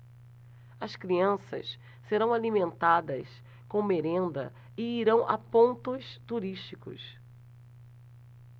as crianças serão alimentadas com merenda e irão a pontos turísticos